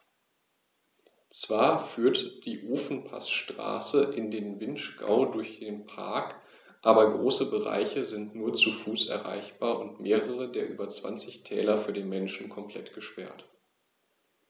Zwar führt die Ofenpassstraße in den Vinschgau durch den Park, aber große Bereiche sind nur zu Fuß erreichbar und mehrere der über 20 Täler für den Menschen komplett gesperrt.